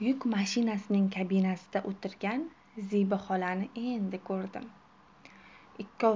yuk mashinasining kabinasida o'tirgan zebi xolani endi ko'rdim